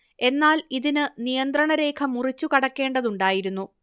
എന്നാൽ ഇതിന് നിയന്ത്രണരേഖ മുറിച്ചു കടക്കേണ്ടതുണ്ടായിരുന്നു